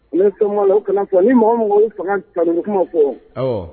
U sɔn la kalan fɔ ni mɔgɔ mɔgɔ fanga kanu kuma fɔ